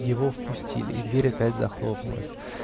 Его впустили, и дверь опять захлопнулась.